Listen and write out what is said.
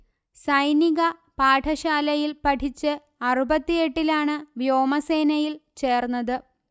സൈനിക പാഠശാലയിൽ പഠിച്ച് അറുപത്തിയെട്ടിലാണ് വ്യോമസേനയിൽ ചേർന്നത്